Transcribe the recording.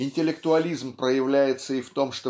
Интеллектуализм проявляется и в том